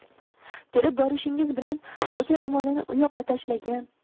kirib borishingiz bilan doka ro'molini u yoqqa tashlagan